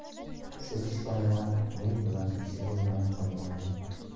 sevishganlar men bilan ishi bo'lmay qolgandi